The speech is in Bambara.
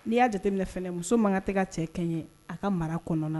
N' y'a jateminɛ fɛn muso mankan tɛ ka cɛ kɛɲɛ a ka mara kɔnɔna